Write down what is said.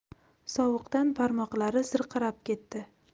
sovuqdan barmoqlari zirqirab ketdi